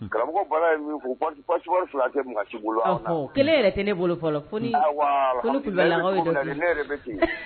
Karamɔgɔ in filasi bolo kɛlɛ yɛrɛ ne bolo ne bɛ ci